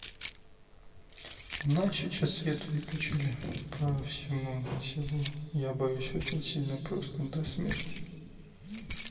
у нас сейчас свет выключили по всему селу я боюсь очень сильно просто до смерти